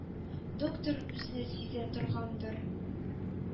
Доктор үзе сизә торгандыр.